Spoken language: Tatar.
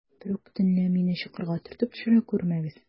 Берүк төнлә мине чокырга төртеп төшерә күрмәгез.